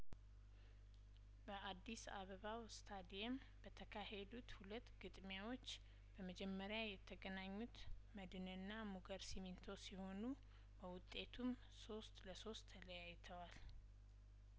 በአዲስ አበባው ስታዲየም በተካሄዱት ሁለት ግጥሚያዎች በመጀመሪያ የተገናኙት መድንና ሙገር ሲሚንቶ ሲሆኑ በውጤቱም ሶስት ለሶስት ተለያይተዋል